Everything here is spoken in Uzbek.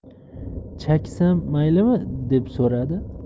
chaksam maylimi deb so'radi